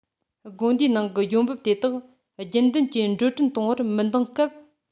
དགོན སྡེའི ནང གི ཡོང འབབ དེ དག རྒྱུན གཏན གྱི འགྲོ གྲོན གཏོང བར མི འདང སྐབས